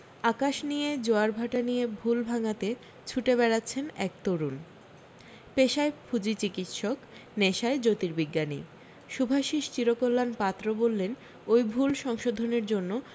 আকাশ নিয়ে জোয়ার ভাটা নিয়ে ভুল ভাঙাতে ছুটে বেড়াচ্ছেন এক তরুণ পেশায় ফুজি চিকিৎসক নেশায় জ্যোতীর্বিজ্ঞানী শুভাশিস চিরকল্যাণ পাত্র বললেন ওই ভুল সংশোধনের জন্য